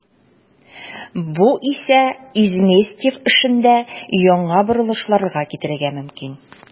Бу исә Изместьев эшендә яңа борылышларга китерергә мөмкин.